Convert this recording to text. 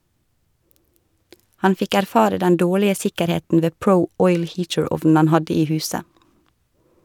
Han fikk erfare den dårlige sikkerheten ved Pro Oil Heater-ovnen han hadde i huset.